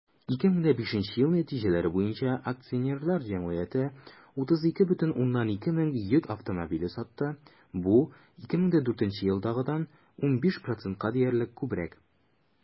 2005 ел нәтиҗәләре буенча акционерлар җәмгыяте 32,2 мең йөк автомобиле сатты, бу 2004 елдагыдан 15 %-ка диярлек күбрәк.